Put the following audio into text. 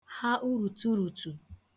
ha urùtuùrùtù